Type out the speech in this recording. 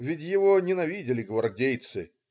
Ведь его ненавидели гвардейцы.